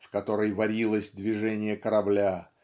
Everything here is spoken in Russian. в которой варилось движение корабля